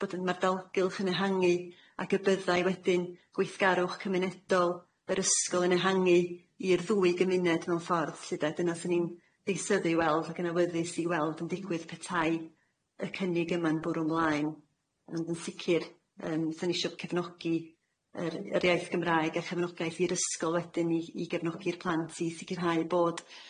Bydda'r dalgylch yn ehangu ag y byddai wedyn gweithgarwch cymunedol yr ysgol yn ehangu i'r ddwy gymuned mewn ffordd lly de, dyna swn i'n ddeisyfu'i weld ag yn awyddus i weld yn digwydd petai y cynnig yma'n bwrw 'mlaen ond yn sicir yym 'swn i isio cefnogi yr yr iaith Gymraeg a chefnogaeth i'r ysgol wedyn i i gefnogi'r plant i sicirhau bod,